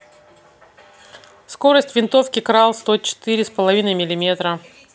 скорость винтовки крал сто четыре с половиной милиметра